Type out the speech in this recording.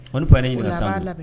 Wa ni fa ye ne ɲininka sisan